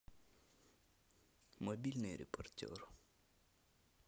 мобильный репортер